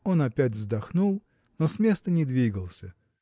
Он опять вздохнул, но с места не двигался